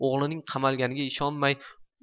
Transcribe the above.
o'g'lining qamalganiga ishonmay